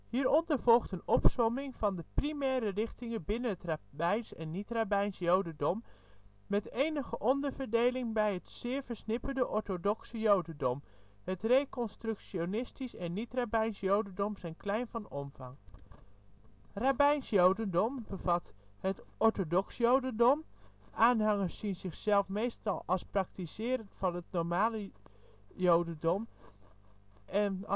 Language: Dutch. Hieronder volgt een opsomming van de primaire richtingen binnen het rabbijns en niet-rabbijns jodendom, met enige onderverdeling bij het zeer versnipperde orthodoxe jodendom. Het reconstructionistich en niet-rabbijns jodendom zijn klein van omvang. Rabbijns jodendom Orthodox jodendom – Aanhangers zien zichzelf meestal als praktiserend van het normatieve jodendom en